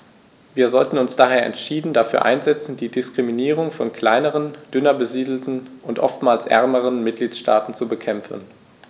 Wir sollten uns daher entschieden dafür einsetzen, die Diskriminierung von kleineren, dünner besiedelten und oftmals ärmeren Mitgliedstaaten zu bekämpfen.